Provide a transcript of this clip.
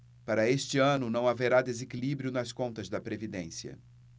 para este ano não haverá desequilíbrio nas contas da previdência